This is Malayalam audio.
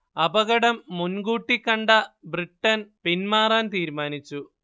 അപകടം മുൻകൂട്ടി കണ്ട ബ്രിട്ടൻ പിന്മാറാൻ തീരുമാനിച്ചു